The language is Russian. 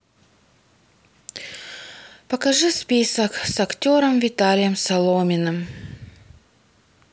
покажи список с актером виталием соломиным